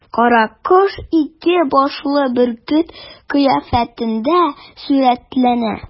Каракош ике башлы бөркет кыяфәтендә сурәтләнә.